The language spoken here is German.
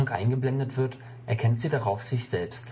eingeblendet wird, erkennt sie darauf sich selbst